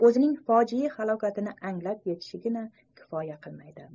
o'zining fojeiy halokatini anglab yetishigina kifoya qilmaydi